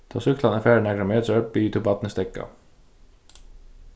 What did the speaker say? tá súkklan er farin nakrar metrar biður tú barnið steðga